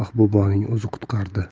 ahvoldan mahbubaning o'zi qutqardi